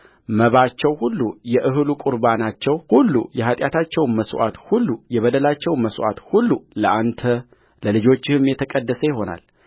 መባቸው ሁሉ የእህሉ ቍርባናቸው ሁሉ የኃጢአታቸውም መስዋዕት ሁሉ የበደላቸውም መሥዋዕት ሁሉ ለአንተ ለልጆችህም የተቀደሰ ይሆናል